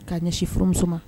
K kaa ɲɛsinoromuso ma